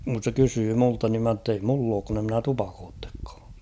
kun se kysyi minulta niin minä että ei minulla ole kun en minä tupakoikaan